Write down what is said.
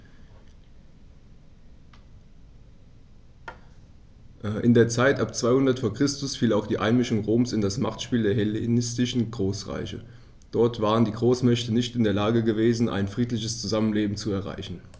In die Zeit ab 200 v. Chr. fiel auch die Einmischung Roms in das Machtspiel der hellenistischen Großreiche: Dort waren die Großmächte nicht in der Lage gewesen, ein friedliches Zusammenleben zu erreichen.